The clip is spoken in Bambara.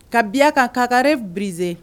Ka bi a kan k'a ka rève briser